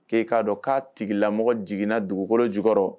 K'e k'a dɔ k'a tigilamɔgɔ jiginna dugukolo jukɔrɔ.